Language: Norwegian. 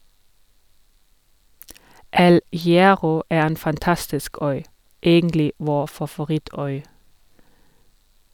El Hierro er en fantastisk øy (egentlig vår favorittøy!).